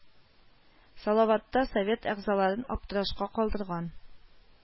Салаватта совет әгъзаларын аптырашка калдырган